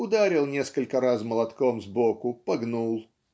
Ударил несколько раз молотком сбоку погнул